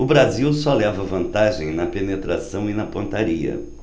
o brasil só leva vantagem na penetração e na pontaria